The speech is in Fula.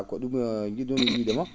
ko ?um ji?noomi wiyde ma